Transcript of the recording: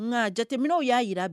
Nka jateminɛw y'a jira